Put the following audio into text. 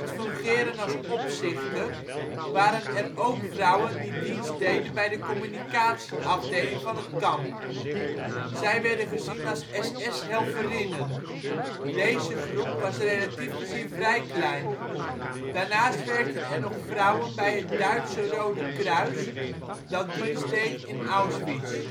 fungeren als opzichter, waren er ook vrouwen die dienst deden bij de communicatieafdeling van het kamp. Zij werden gezien als SS-Helferinnen. Deze groep was relatief gezien vrij klein. Daarnaast werkten er nog vrouwen bij het Duitse Rode Kruis dat dienst deed in Auschwitz